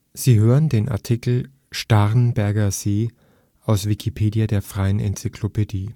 Sie hören den Artikel Starnberger See, aus Wikipedia, der freien Enzyklopädie